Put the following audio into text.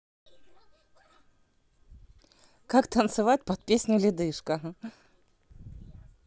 как танцевать под песню ледышка